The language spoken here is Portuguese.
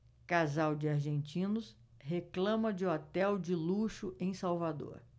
casal de argentinos reclama de hotel de luxo em salvador